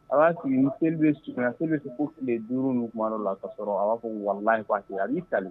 A b'a sigi ni seli bɛ surunya seli bɛ se fo tile duuru ninnu tuma dɔw la kasɔrɔ a b'a fɔ walahi ko a ten a b'i kali